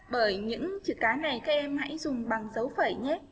bởi những chữ cái ngày thêm hãy dùng bằng dấu phẩy nhé